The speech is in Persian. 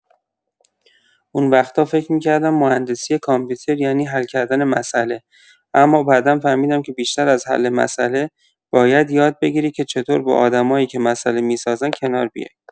اون وقتا فکر می‌کردم مهندسی کامپیوتر یعنی حل کردن مساله، اما بعدا فهمیدم که بیشتر از حل مساله، باید یاد بگیری که چطور با آدمایی که مساله می‌سازن، کنار بیای.